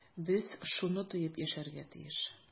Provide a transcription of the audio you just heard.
Без шуны тоеп яшәргә тиеш.